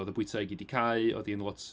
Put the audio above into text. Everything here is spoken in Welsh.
Oedd y bwytai i gyd 'di cae, oedd hi'n lot...